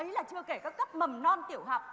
đấy là chưa kể các cấp mầm non tiểu học